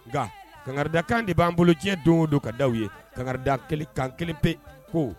Nka kanga da kan de b'an bolo diɲɛ don o don ka da' ye kangada kan kelen pe ko